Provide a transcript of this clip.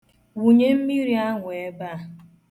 Wụnye mmiri ahụ ebe a.